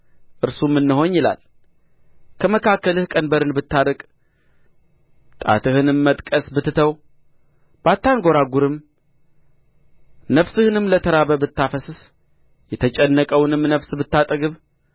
እርሱም እነሆኝ ይላል ከመካከልህ ቀንበርን ብታርቅ ጣትህንም መጥቀስ ብትተው ባታንጐራጕርም ነፍስህንም ለተራበ ብታፈስስ የተጨነቀውንም ነፍስ ብታጠግብ